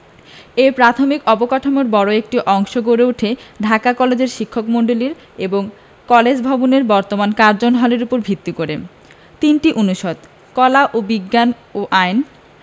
এর প্রাথমিক অবকাঠামোর বড় একটি অংশ গড়ে উঠে ঢাকা কলেজের শিক্ষকমন্ডলী এবং কলেজ ভবনের বর্তমান কার্জন হল উপর ভিত্তি করে ৩টি অনুষদ কলা বিজ্ঞান ও আইন